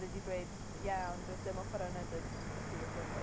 A oedd e 'di dweud "ie, ond doedd dim offerynnau 'da 'da ti o gwbl".